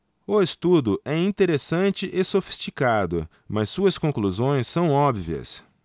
o estudo é interessante e sofisticado mas suas conclusões são óbvias